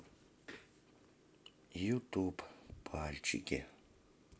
ютуб пальчики